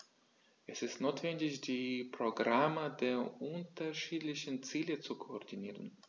Es ist notwendig, die Programme der unterschiedlichen Ziele zu koordinieren.